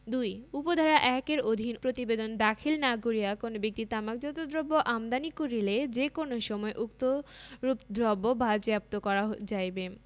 ২ উপ ধারা ১ এর অধীন প্রতিবেদন দাখিল না করিয়া কোন ব্যক্তি তামাকজাত দ্রব্য আমদানি করিলে যে কোন সময় উক্তরূপ দ্রব্য বাজেয়াপ্ত করা যাইবে